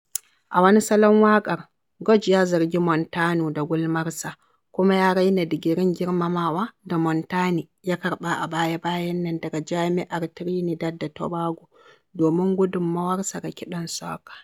A wani salon waƙar, George ya zargi Montano da "gulmar" sa kuma ya raina digirin girmamawa da Montane ya karɓa a baya-bayan nan daga jami'ar Trinidad da Tobago domin gudummawarsa ga kiɗan soca.